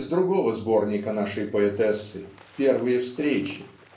из другого сборника нашей поэтессы "Первые встречи")